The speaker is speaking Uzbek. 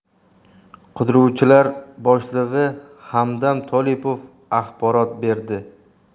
qidiruvchilar boshlig'i hamdam tolipov axborot berdi